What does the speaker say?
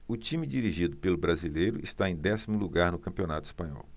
o time dirigido pelo brasileiro está em décimo lugar no campeonato espanhol